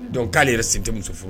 Dɔnku k'ale yɛrɛ sin tɛ muso furu